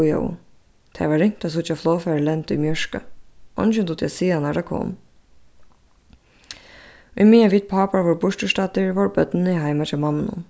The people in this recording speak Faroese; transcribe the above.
bíðaðu tað var ringt at síggja flogfarið lenda í mjørka eingin dugdi at siga nær tað kom ímeðan vit pápar vóru burturstaddir vóru børnini heima hjá mammunum